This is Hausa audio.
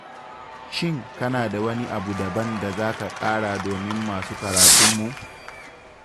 Shin kana da wani abu daban da za ka ƙara domin masu karatunmu?